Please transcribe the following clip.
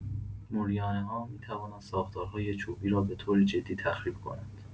موریانه‌ها می‌توانند ساختارهای چوبی را به‌طور جدی تخریب کنند.